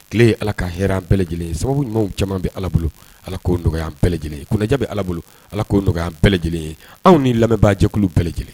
Tile ala ka hɛrɛ an bɛɛ lajɛlen ye sababu ɲumanw caman bɛ ala bolo ala ko nɔgɔya bɛɛ lajɛlen ye kunnajɛ bɛ ala bolo ala ko nɔgɔya bɛɛ lajɛlen ye anw ni lamɛnbaajɛkulu bɛɛlɛ lajɛlen